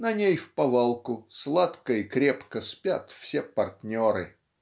на ней вповалку сладко и крепко спят все партнеры.